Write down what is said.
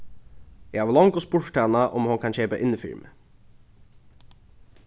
eg havi longu spurt hana um hon kann keypa inn fyri meg